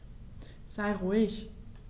Sei ruhig.